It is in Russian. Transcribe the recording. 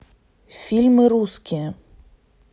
фильмы русские